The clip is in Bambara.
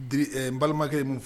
Diri, ɛɛ n balimakɛ ye min fɔ